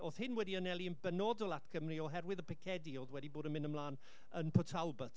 oedd hyn wedi anelu yn benodol at Gymru oherwydd y picedi oedd wedi bod yn mynd ymlaen yn Port Talbot.